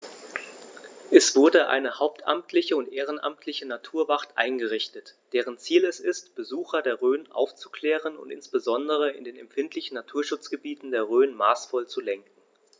Es wurde eine hauptamtliche und ehrenamtliche Naturwacht eingerichtet, deren Ziel es ist, Besucher der Rhön aufzuklären und insbesondere in den empfindlichen Naturschutzgebieten der Rhön maßvoll zu lenken.